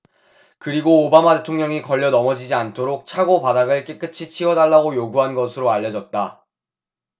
그리고 오바마 대통령이 걸려 넘어지지 않도록 차고 바닥을 깨끗이 치워달라고 요구한 것으로 알려졌다